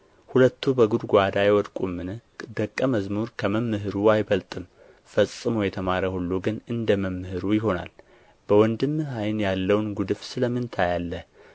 ሁለቱ በጕድጓድ አይወድቁምን ደቀ መዝሙር ከመምህሩ አይበልጥም ፈጽሞ የተማረ ሁሉ ግን እንደ መምህሩ ይሆናል በወንድምህም ዓይን ያለውን ጉድፍ ስለ ምን ታያለህ